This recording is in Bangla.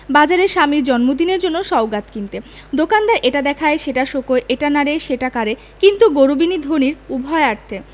বাজারে স্বামীর জন্মদিনের জন্য সওগাত কিনতে দোকানদার এটা দেখায় সেটা শোঁকায় এটা নাড়ে সেটা কাড়ে কিন্তু গরবিনী ধনীর উভয়ার্থে